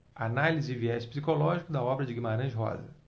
análise de viés psicológico da obra de guimarães rosa